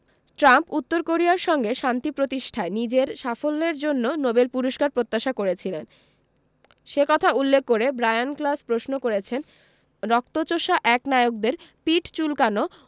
Trump উত্তর কোরিয়ার সঙ্গে শান্তি প্রতিষ্ঠায় নিজের সাফল্যের জন্য নোবেল পুরস্কার প্রত্যাশা করেছিলেন সে কথা উল্লেখ করে ব্রায়ান ক্লাস প্রশ্ন করেছেন রক্তচোষা একনায়কদের পিঠ চুলকানো